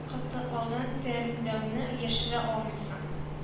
Кытыклаудан дерелдәүне яшерә алмыйсың)